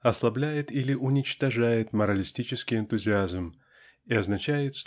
ослабляет или уничтожает моралистический энтузиазм и означает